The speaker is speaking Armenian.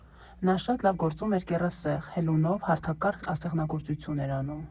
Նա շատ լավ գործում էր կեռասեղ՝ հելունով, հարթակար ասեղնագործություն էր անում։